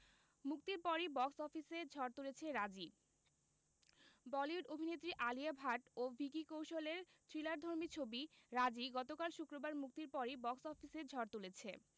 মুক্তির পরই বক্স অফিসে ঝড় তুলেছে রাজি বলিউড অভিনেত্রী আলিয়া ভাট এবং ভিকি কৌশলের থ্রিলারধর্মী ছবি রাজী গত শুক্রবার মুক্তির পরই বক্স অফিসে ঝড় তুলেছে